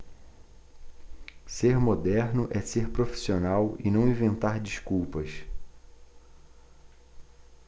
ser moderno é ser profissional e não inventar desculpas